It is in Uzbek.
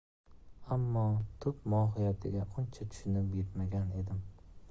ammo tub mohiyatiga uncha tushunib yetmagan edim